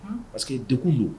Parceseke que de don